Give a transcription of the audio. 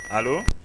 A